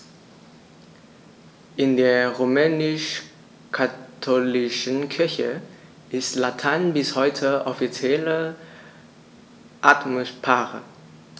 In der römisch-katholischen Kirche ist Latein bis heute offizielle Amtssprache.